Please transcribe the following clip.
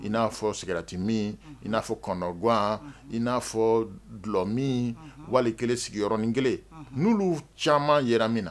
I na fɔ cigarette min , i na fɔ kamanagan,i na fɔ gilɔ min walikelen sigi yɔrɔnin kelen . Nolu caman yera min na.